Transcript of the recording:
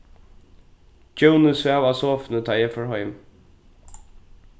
djóni svav á sofuni tá eg fór heim